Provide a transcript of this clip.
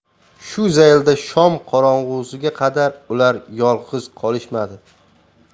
shu zaylda shom qorong'usiga qadar ular yolg'iz qolishmadi